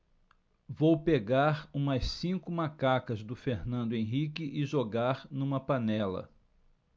vou pegar umas cinco macacas do fernando henrique e jogar numa panela